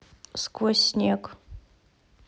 сквозь снег